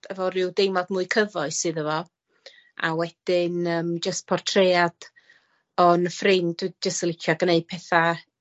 efo ryw deimlad mwy cyfoes iddo fo a wedyn yym jyst portread o'n ffrind dwi jys yn licio gneud petha